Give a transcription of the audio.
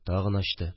Тагын ачты